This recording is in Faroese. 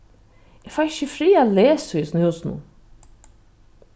eg fái ikki frið at lesa í hesum húsinum